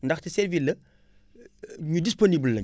ndaxte service la ñu disponible la ñu